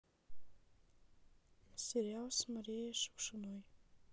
сериал с марией шукшиной